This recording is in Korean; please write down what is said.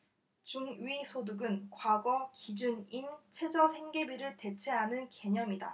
중위소득은 과거 기준인 최저생계비를 대체하는 개념이다